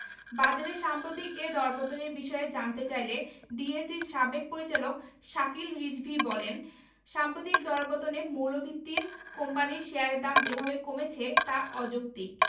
বাজারের সাম্প্রতিক এ দরপতনের বিষয়ে জানতে চাইলে ডিএসইর সাবেক পরিচালক শাকিল রিজভী বলেন সাম্প্রতিক দরপতনে মৌলভিত্তির কোম্পানির শেয়ারের দাম যেভাবে কমেছে তা অযৌক্তিক